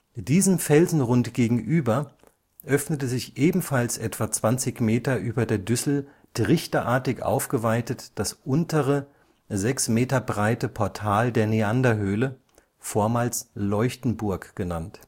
Diesem Felsenrund gegenüber öffnete sich ebenfalls etwa 20 m über der Düssel trichterartig aufgeweitet das untere, 6 m breite Portal der Neanderhöhle, vormals Leuchtenburg genannt